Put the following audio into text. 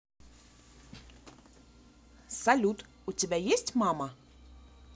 салют у тебя есть мама